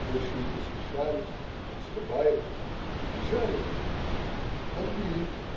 Большевики смешались, отступают, побежали. Отбили.